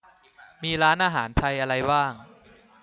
มีร้านอาหารไทยอะไรบ้าง